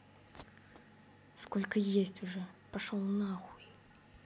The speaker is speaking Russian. сколько есть уже пошел нахуй